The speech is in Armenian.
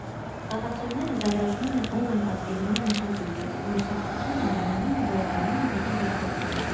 Խաղացողները զարգացնում են օնլայն պատվիրման մշակույթը, իսկ մրցակցությունն այն բանալին է, որը տանում է դեպի զարգացում։